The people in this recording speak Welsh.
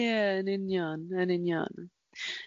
Ie, yn union, yn union.